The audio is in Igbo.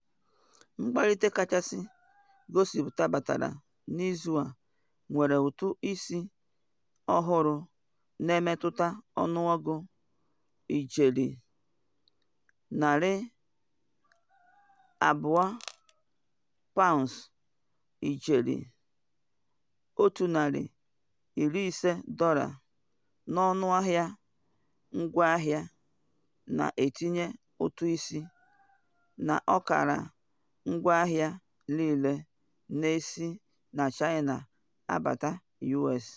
Mkpalite kachasị gosipụta batara n’izu a nwere ụtụ isi ọhụrụ na emetụta ọnụọgụ ijeri $200 (ijeri £150) n’ọnụahịa ngwaahịa, na etinye ụtụ isi n’ọkara ngwaahịa niile na esi na China abata US.